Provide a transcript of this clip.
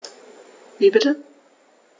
Wie bitte?